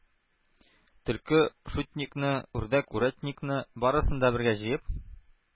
Төлке шутникны, үрдәк үрәтникны — барысын да бергә җыеп,